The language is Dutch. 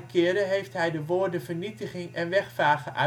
keren heeft hij de woorden ' vernietiging ' en ' wegvagen